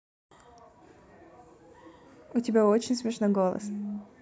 у тебя очень смешной голос